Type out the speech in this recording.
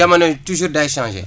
jamono ji toujours day changé